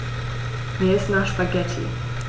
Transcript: Mir ist nach Spaghetti.